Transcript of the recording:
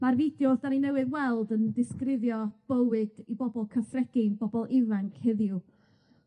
Ma'r fideos 'dan ni newydd weld yn disgrifio bywyd i bobol cyffredin, bobol ifanc heddiw,